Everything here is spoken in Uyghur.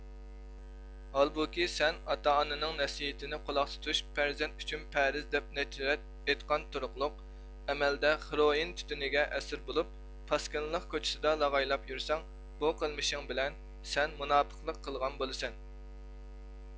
ھالبۇكى سەن ئاتا ئانىنىڭ نەسىھەتىنى قۈلاقتا تۇتۇش پەرزەنت ئۈچۈن پەرز دەپ نەچچە رەت ئېيتقان تۇرۇقلۇق ئەمەلدە خىروئىن تۈتۈنىگە ئەسىر بولۇپ پاسكىنىلىق كوچىسىدا لاغايلاپ يۇرسەڭ بۇ قىلمىشىڭ بىلەن سەن مۇناپىقلىق قىلغان بولىسەن